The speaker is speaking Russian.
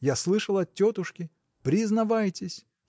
я слышал от тетушки: признавайтесь.